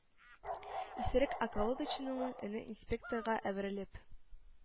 Исерек околодочныйның өне инспекторга әверелеп: